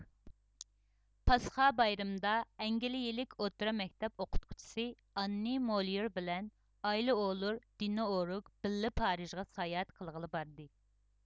پاسخا بايرىمىدا ئەنگلىيىلىك ئوتتۇرا مەكتەپ ئوقۇتقۇچىسى ئاننى مولېيېر بىلەن ئايلېئولور دېنوئورگ بىللە پارىژغا ساياھەت قىلغىلى باردى